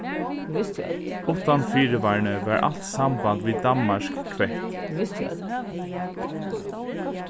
uttan fyrivarni varð alt samband við danmark kvett